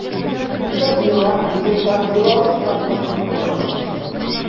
Киләсе елга лизингка “Беларусь” тракторы сатып алырга җыенабыз.